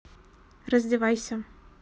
раздевайся